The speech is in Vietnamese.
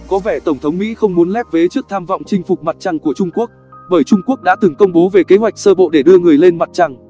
có vẻ tổng thống mỹ không muốn lép vế trước tham vọng chinh phục mặt trăng của trung quốc bởi trung quốc đã từng công bố về kế hoạch sơ bộ để đưa người lên mặt trăng